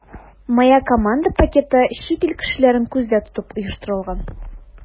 “моя команда” пакеты чит ил кешеләрен күздә тотып оештырылган.